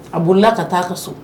A bolila ka taa a ka so